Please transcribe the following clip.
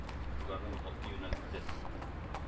Игътибарны юнәлтте